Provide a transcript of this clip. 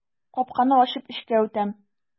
Капканы ачып эчкә үтәм.